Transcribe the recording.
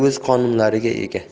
o'z qonunlariga ega